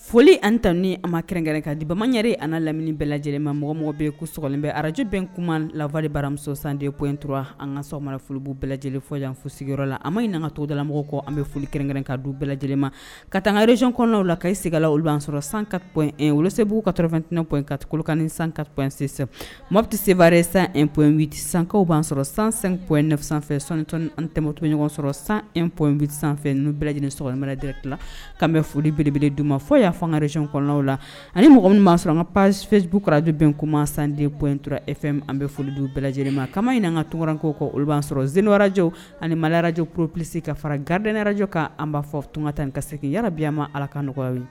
Foli an ta an ma kɛrɛnkɛrɛnkan di bamanany an lamini bɛɛ lajɛlenma mɔgɔmɔgɔ bɛ ko sbɛ arajobɛn kuma lawale baramuso sanden p inur an kasa mana folibu bɛɛ lajɛlenfɔ yan fo sigiyɔrɔyɔrɔ la a ma in na ka todalamɔgɔ kɔ an bɛ foli kɛrɛn ka du bɛɛ lajɛlenma ka tanga redy kɔnɔw la ka seginnaiga la olu b'an sɔrɔ sankape olu se' uu ka tfɛn2tinɛp in kakulukan2 sankap in sensɛ mɔgɔti sebaa re san inpti sanka b'an sɔrɔ san sanp in222 san9tɛmo to ɲɔgɔn sɔrɔ san inp sanfɛ2 n'u bɛɛ lajɛlennen sminɛ dti ka bɛ foli belebele du ma fɔ y'a fanga rezy kɔnɔw la ani mɔgɔ minnu maa' sɔrɔ an ka paz2jukarabubɛn kuma sandenpur efɛn an bɛ foli dun bɛɛ lajɛlenlima kama in ɲin an kan ka tɔnkko kan olu b'a sɔrɔ z seneowajɛ ani malirajɛ poroplisisi ka fara garidrajɔ kan an b'a fɔ tun ka tan ka segin yɛrɛbiyama ala ka nɔgɔya